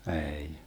ei